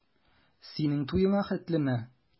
Синең туеңа хәтлеме?